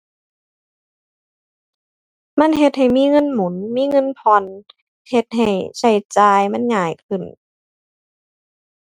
มันเฮ็ดให้มีเงินหมุน มีเงินผ่อน เฮ็ดให้ใช้จ่ายมันง่ายขึ้น